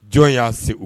Jɔn y'a se